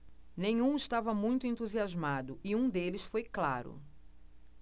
nenhum estava muito entusiasmado e um deles foi claro